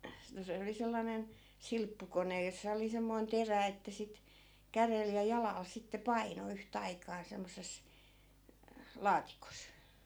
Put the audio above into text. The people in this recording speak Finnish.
no se oli sellainen silppukone jossa oli semmoinen terä että sitten kädellä ja jalalla sitten painoi yhtä aikaa semmoisessa laatikossa